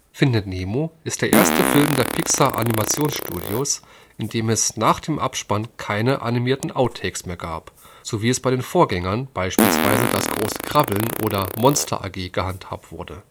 Findet Nemo ist der erste Film der Pixar Animation Studios, in dem es nach dem Abspann keine animierten Outtakes mehr gab, so wie es bei den Vorgängern, beispielsweise Das große Krabbeln oder Monster AG, gehandhabt wurde